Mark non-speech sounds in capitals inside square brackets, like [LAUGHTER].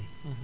[HESITATION] [HESITATION]